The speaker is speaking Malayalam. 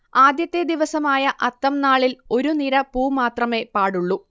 ആദ്യത്തെ ദിവസമായ അത്തംനാളിൽ ഒരു നിര പൂ മാത്രമേ പാടുള്ളൂ